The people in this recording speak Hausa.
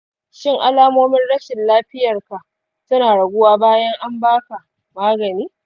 shin alamomin rashin lafiyarka suna raguwa bayan an ba ka magani?